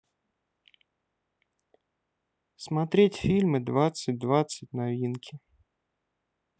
смотреть фильмы двадцать двадцать новинки